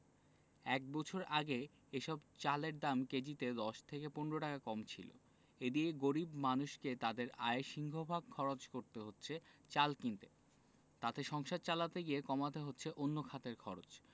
এক বছর আগে এসব চালের দাম কেজিতে ১০ থেকে ১৫ টাকা কম ছিল এদিকে গরিব মানুষকে তাঁদের আয়ের সিংহভাগ খরচ করতে হচ্ছে চাল কিনতে তাতে সংসার চালাতে গিয়ে কমাতে হচ্ছে অন্য খাতের খরচ